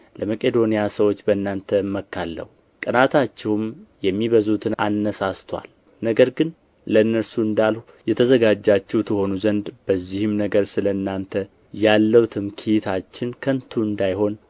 ለመቄዶንያ ሰዎች በእናንተ እመካለሁ ቅንዓታችሁም የሚበዙቱን አነሣሥቶአል ነገር ግን ለእነርሱ እንዳልሁ የተዘጋጃችሁ ትሆኑ ዘንድ በዚህም ነገር ስለ እናንተ ያለው ትምክህታችን ከንቱ እንዳይሆን